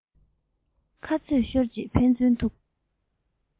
ཁ རྩོད ཤོར རྗེས ཕན ཚུན ཐུག